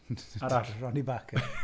Arall... Ronnie Barker .